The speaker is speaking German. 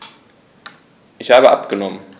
Ich habe abgenommen.